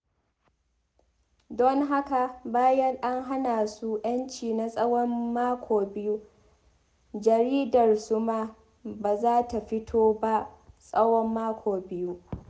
Don haka, bayan an hana su 'yanci na tsawon mako biyu, jaridarsu ma ba za ta fito ba tsawon mako biyu.